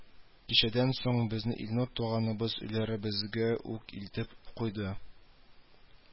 Кичәдән соң безне Илнур туганыбыз өйләребезгә үк илтеп куйды